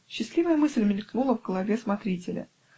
Счастливая мысль мелькнула в голове смотрителя.